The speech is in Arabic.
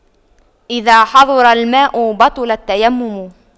إذا حضر الماء بطل التيمم